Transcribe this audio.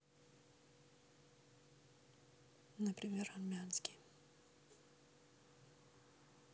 например армянский